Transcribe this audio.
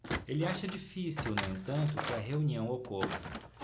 ele acha difícil no entanto que a reunião ocorra